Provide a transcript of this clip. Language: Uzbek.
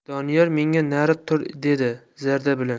doniyor menga nari tur dedi zarda bilan